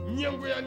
Ɲɛngoya